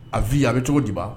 A bi yan a bɛ cogo diba